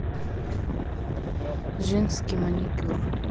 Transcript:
женский маникюр